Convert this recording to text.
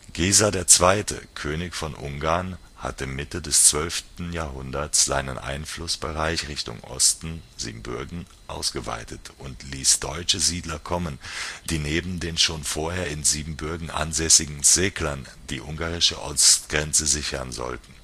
Geisa II. (Géza II.), König von Ungarn, hatte Mitte des 12. Jahrhunderts seinen Einflussbereich Richtung Osten (Siebenbürgen) ausgeweitet und ließ deutsche Siedler kommen, die, neben den schon vorher in Siebenbürgen ansässigen Szeklern, die ungarische Ostgrenze sichern sollten